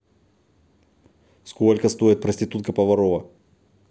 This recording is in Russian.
сколько стоит проститутка поварова